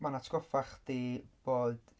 Ma'n atgoffa chdi bod...